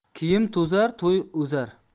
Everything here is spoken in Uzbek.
kiyim to'zar toy o'zar